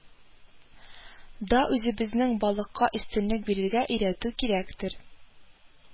Да үзебезнең балыкка өстенлек бирергә өйрәтү кирәктер